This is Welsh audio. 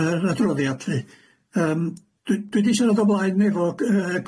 yr adroddiad lly , yym dwi dwi 'di sharad o blaen efo yy